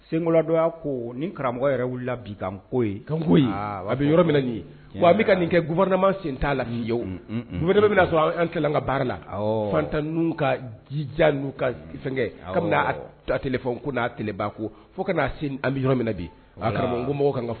Senko karamɔgɔ a nin kɛ gma sen t'a la a an ka baara la fantan n kaja n ka ka ko n'a fo kana an bɛ yɔrɔ bi karamɔgɔ ka